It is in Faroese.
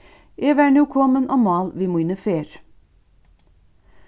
eg var nú komin á mál við míni ferð